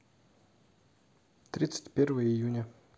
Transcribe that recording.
тридцать первое июня